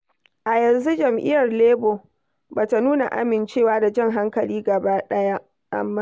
A yanzu Jam'iyyar Labour ba ta nuna amincewa da jan hankali gaba ɗaya, amma.